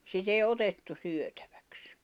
sitä ei otettu syötiksi